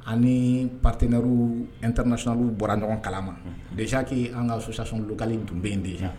Ani pateɛuru ntrsonabu bɔra ɲɔgɔn kala ma deki an kasatilkali dunbe de ye